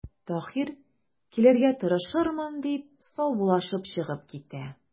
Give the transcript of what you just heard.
Таһир:– Килергә тырышырмын,– дип, саубуллашып чыгып китә.